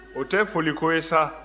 o tɛ foliko ye sa